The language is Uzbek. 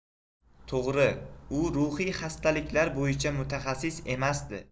to'g'ri u ruhiy xastaliklar bo'yicha mutaxassis emasdi